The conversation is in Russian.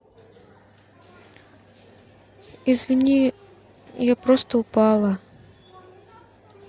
извини я просто упала